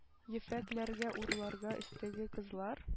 Ефәк ләргә уралган өстәге кызлар,